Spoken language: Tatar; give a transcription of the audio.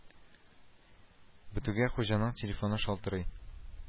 Бетүгә хуҗаның телефоны шалтырый